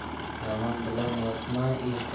yomon bilan yotma